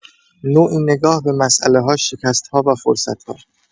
نوعی نگاه به مسئله‌ها، شکست‌ها و فرصت‌ها.